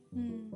Hmm.